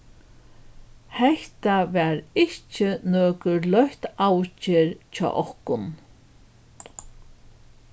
hetta var ikki nøkur løtt avgerð hjá okkum